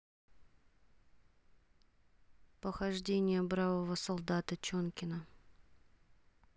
похождения бравого солдата чонкина